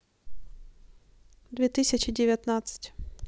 две тысячи девятнадцать